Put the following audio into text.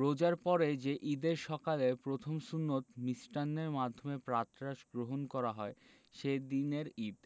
রোজার পরে যে ঈদের সকালে প্রথম সুন্নত মিষ্টান্নের মাধ্যমে প্রাতরাশ গ্রহণ করা হয় সে দিনের ঈদ